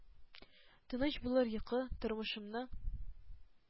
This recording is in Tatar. «тыныч булыр йокы, тормышымны